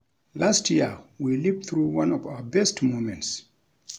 "Last year we lived through one of our best moments.